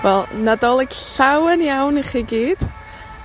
Wel, Nadolig llawen iawn i chi gyd!